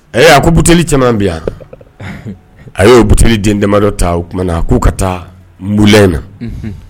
A a ko butli caman bi yan a y'o butiri den damadɔ ta oumana na a k'u ka taa bu in na